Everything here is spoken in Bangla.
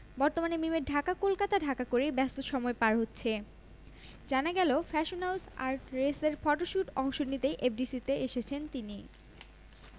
বর্তমানে মিমের ঢাকা কলকাতা ঢাকা করেই ব্যস্ত সময় পার হচ্ছে জানা গেল ফ্যাশন হাউজ আর্টরেসের ফটশুটে অংশ নিতেই এফডিসিতে এসেছেন তিনি